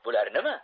bular nima